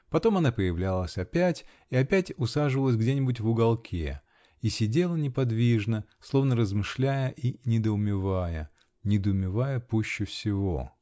Потом она появлялась опять, и опять усаживалась где-нибудь в уголке -- и сидела неподвижно, словно размышляя и недоумевая. недоумевая пуще всего.